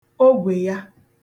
ogwè ya